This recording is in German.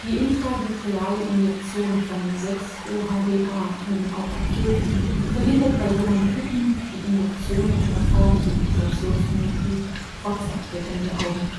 intravitreale Injektion von 6-OHDA in den Augapfel verhindert bei jungen Küken die Induktion einer Formdeprivationsmyopie trotz Abdeckung der Augen